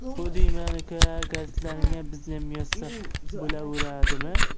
bu diyman uka gazetlaringga bizniyam yozsa bo'lavuradimi